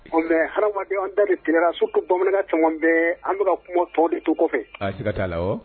Ɔ mɛ adamadamaden an da tigɛ sutu bamanan caman bɛ an bɛka ka kuma tɔ de tu kɔfɛ' la wa